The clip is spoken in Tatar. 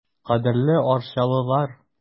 Кадерле арчалылар!